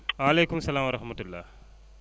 maaleykum salaam wa rahmatulah